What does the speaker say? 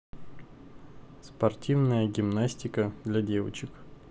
спортивная гимнастика для девочек